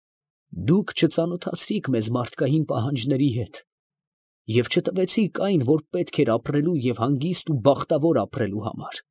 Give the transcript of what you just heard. Դուք չծանոթացրիք մեզ մարդկային պահանջների հետ և չտվեցիք այն, որ պետք էր ապրելու և հանգիստ ու բախտավոր ապրելու համար։